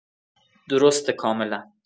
درسته کاملا